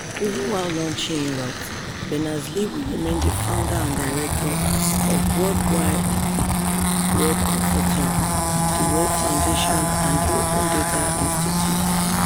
Even while launching Inrupt, Berners-Lee will remain the Founder and Director of World Wide Web Consortium, the Web Foundation and the Open Data Institute.